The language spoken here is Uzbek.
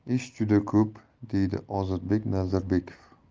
ko'p deydi ozodbek nazarbekov